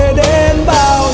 đến bao